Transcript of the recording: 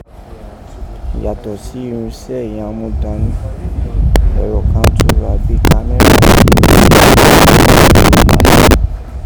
Yatọ si irunsẹ́ yìí án mu dọn ni, ẹrọ kàn tọ́n gha bi kamẹra èyí mi ṣe ayẹghò àghan èrò baalu.